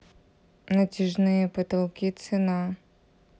натяжные потолки цена